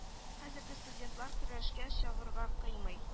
Хәзерге студентлар көрәшкә чыгарга кыймый